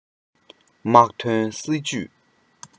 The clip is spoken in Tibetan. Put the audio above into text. དམག དོན སྲིད ཇུས